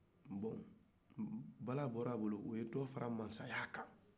bon bala bɔra a bolo o ye dɔ fara masaya kan